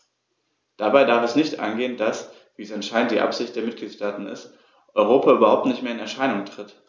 Dabei darf es nicht angehen, dass - wie es anscheinend die Absicht der Mitgliedsstaaten ist - Europa überhaupt nicht mehr in Erscheinung tritt.